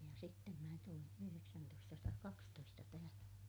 ja sitten minä tulin yhdeksäntoistasataakaksitoista tähän